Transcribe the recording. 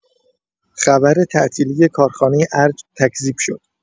خبر تعطیلی کارخانه ارج تکذیب شد!